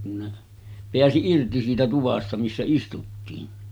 kun ne pääsi irti siitä tuvasta missä istuttiin